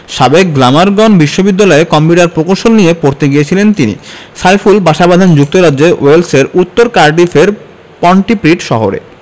সাবেক গ্লামারগন বিশ্ববিদ্যালয়ে কম্পিউটার প্রকৌশল নিয়ে পড়তে গিয়েছিলেন তিনি সাইফুল বাসা বাঁধেন যুক্তরাজ্যের ওয়েলসের উত্তর কার্ডিফের পন্টিপ্রিড শহরে